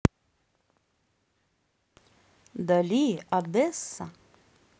dali одесса